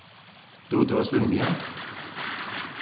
dugir tú at svimja